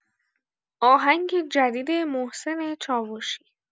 آهنگ جدید محسن چاووشی